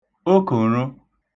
okòṙo